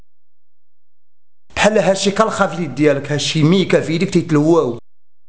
هل الشرك الخفي ديارك شيء ميكافيلي